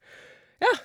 Ja.